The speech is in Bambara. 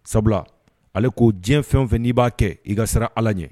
Sabula ale ko diɲɛ fɛn fɛn'i b'a kɛ i ka siran ala ɲɛ